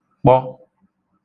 kpọ